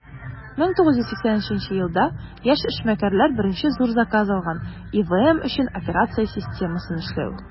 1980 елда яшь эшмәкәрләр беренче зур заказ алган - ibm өчен операция системасын эшләү.